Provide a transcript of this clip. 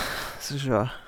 Skal vi sjå.